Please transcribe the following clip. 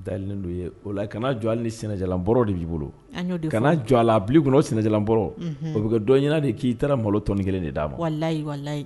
O kana jɔ ni de b'i bolo kana jɔ la o sinalan o bɛ kɛ dɔn ɲɛna de k'i taara malo tɔni kelen de d'a ma